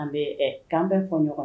An bɛ ɛɛ ka kan bɛn fɔ ɲɔgɔn ma